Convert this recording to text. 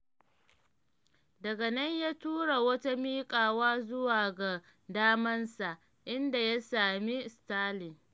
Daga nan ya tura wata miƙawa zuwa ga damansa, inda ya sami Sterling.